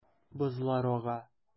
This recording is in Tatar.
Бозлар ага.